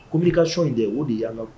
Kobbili ka so in de o de bɛ yanka